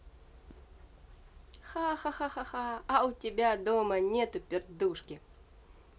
ха ха ха а у тебя дома нету пердушки